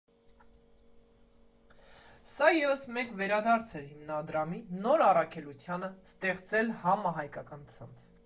Սա ևս մեկ վերադարձ էր հիմնադրամի նոր առաքելությանը՝ ստեղծել համահայկական ցանց։